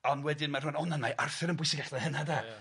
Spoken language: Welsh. On' wedyn ma' rhywun, o na, mae Arthur yn bwysigach na hynna 'de? Ia.